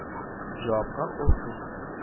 Җавапка ул сез